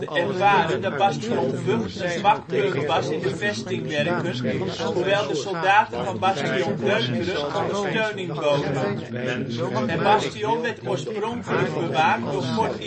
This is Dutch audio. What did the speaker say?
ervaren dat Bastion Vught een zwak punt was in de vestingwerken, hoewel de soldaten van Bastion Deuteren ondersteuning boden. Het Bastion werd oorspronkelijk bewaakt door Fort